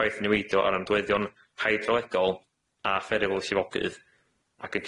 niweidiol ar ymdweddion hydrolegol a pheryl llifogydd ac yn